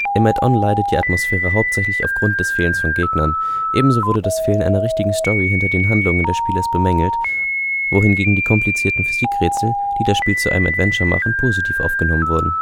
Im Add-On leidet die Atmosphäre hauptsächlich auf Grund des Fehlens von Gegnern. Ebenso wurde das Fehlen einer richtigen Story hinter den Handlungen des Spielers bemängelt, wohingegen die komplizierteren Physik-Rätsel, die das Spiel zu einem Adventure machen, positiv aufgenommen wurden